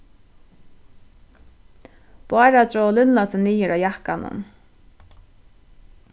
bára dró lynlásið niður á jakkanum